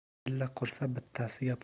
jilla qursa bittasiga